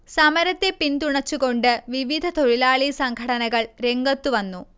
സമരത്തെ പിന്തുണച്ചുകൊണ്ട് വിവിധതൊഴിലാളി സംഘടനകൾ രംഗത്തു വന്നു